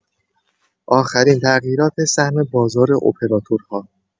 آخرین تغییرات سهم بازار اپراتورها